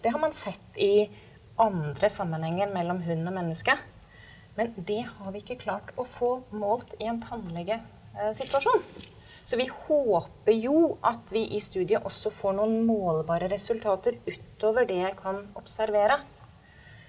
det har man sett i andre sammenhenger mellom hund og menneske, men det har vi ikke klart å få målt i en tannlegesituasjon, så vi håper jo at vi i studiet også får noen målbare resultater utover det jeg kan observere.